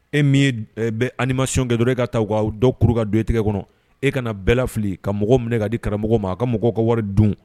E min ye bɛ ali may kɛ dɔrɔn e ka taa' dɔw kuru ka don tigɛ kɔnɔ e kana bɛɛ la fili ka mɔgɔ minɛ ka di karamɔgɔ ma ka mɔgɔw ka wari dun